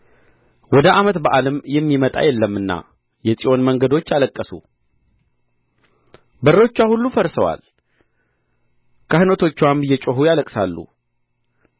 ወደ ዓመት በዓልም የሚመጣ የለምና የጽዮን መንገዶች አለቀሱ በሮችዋ ሁሉ ፈርሰዋል ካህናቶችዋም እየጮኹ ያለቅሳሉ